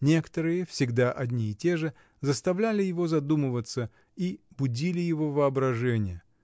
некоторые, всегда одни и те же, заставляли его задумываться и будили его воображение